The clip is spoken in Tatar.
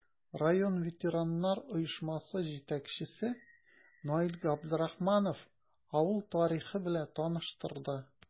Район ветераннар оешмасы җитәкчесе Наил Габдрахманов авыл тарихы белән таныштырды.